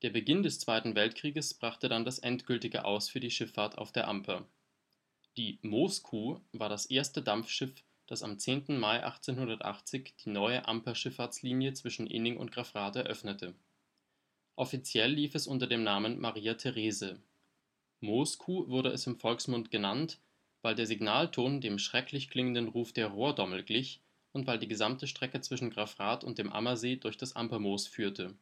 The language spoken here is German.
Beginn des zweiten Weltkrieges brachte dann das endgültige Aus für die Schifffahrt auf der Amper. Die „ Mooskuh “war das erste Dampfschiff, das am 10. Mai 1880 die neue Amper-Schifffahrtslinie zwischen Inning und Grafrath eröffnete. Offiziell lief es unter dem Namen „ Maria Therese “. Mooskuh wurde es im Volksmund genannt, weil der Signalton dem schrecklich klingenden Ruf der Rohrdommel glich, und weil die gesamte Strecke zwischen Grafrath und dem Ammersee durch das Ampermoos führte